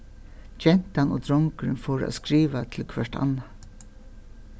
gentan og drongurin fóru at skriva til hvørt annað